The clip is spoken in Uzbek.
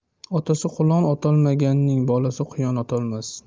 otasi qulon otolmaganning bolasi quyon otolmas